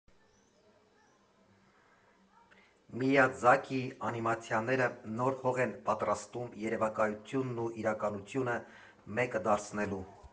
Միյաձակիի անիմացիաները նոր հող են պատրաստում՝ երևակայությունն ու իրականությունը մեկը դարձնելու։